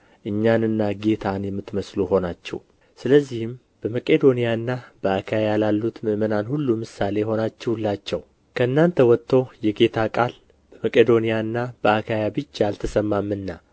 እኛንና ጌታን የምትመስሉ ሆናችሁ ስለዚህም በመቄዶንያና በአካይያ ላሉት ምእመናን ሁሉ ምሳሌ ሆናችሁላቸው ከእናንተ ወጥቶ የጌታ ቃል በመቄዶንያና በአካይያ ብቻ አልተሰማምና